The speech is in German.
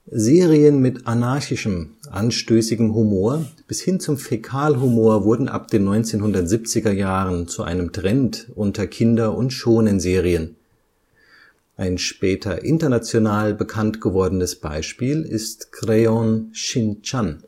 Serien mit anarchischem, anstößigem Humor bis hin zum Fäkalhumor wurden ab den 1970er Jahren zu einem Trend unter Kinder - und Shōnen-Serien. Ein später international bekannt gewordenes Beispiel ist Crayon Shin-Chan